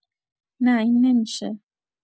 نه این نمی‌شه